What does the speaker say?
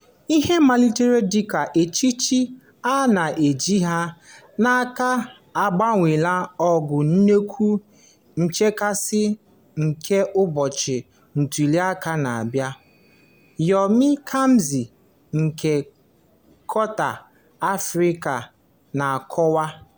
Ihe malitere dị ka echiche a na-ejighị n'aka agbanweela ghọọ nnukwu nchekasị ka ụbọchị ntụliaka na-abịa. Yomi Kamez nke Quartz Africa na-akọwa: